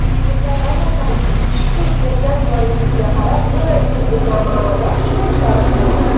eplay olmasangiz fisht u kelgan joyingizga qarab jo'naysiz degan ma'noda hushtak chalib qo'ydi